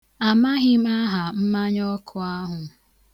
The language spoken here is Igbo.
Amaghị m aha mmanyaọkụ ahụ.